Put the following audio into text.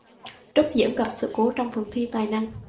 trúc diễm gặp sự cố trong phần thi tài năng